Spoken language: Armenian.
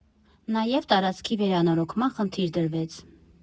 Նաև տարածքի վերանորոգման խնդիր դրվեց։